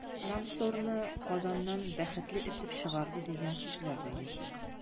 “рамстор”ны казаннан “бәхетле” этеп чыгарды, дигән сүзләр дә йөрде.